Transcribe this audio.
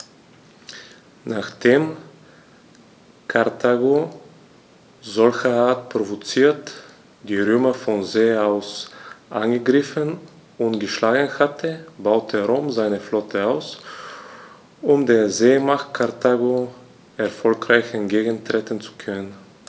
Nachdem Karthago, solcherart provoziert, die Römer von See aus angegriffen und geschlagen hatte, baute Rom seine Flotte aus, um der Seemacht Karthago erfolgreich entgegentreten zu können.